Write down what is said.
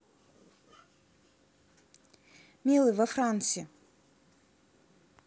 милый во франсе